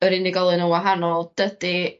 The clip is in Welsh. yr unigolyn yn wahanol dydi